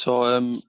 So yym